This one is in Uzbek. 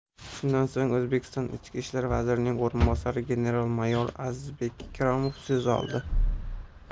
shundan so'ng o'zbekiston ichki ishlar vazirining o'rinbosari general mayor azizbek ikromov so'z oldi